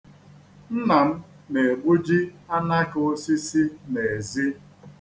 Nna m na-egbuji anaka osisi n'ezi.